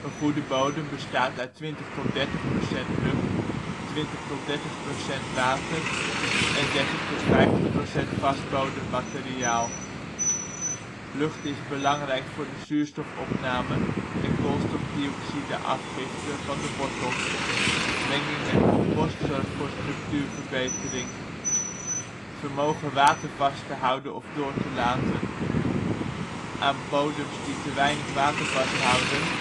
goede bodem bestaat uit 20-30 % lucht, 20-30 % water en 30-50 % vast bodemmateriaal. Lucht is belangrijk voor de zuurstofopname en koolstofdioxide-afgifte van de wortels. Menging met compost zorgt voor structuurverbetering. vermogen water vast te houden of door te laten: aan bodems die te weinig water vast houden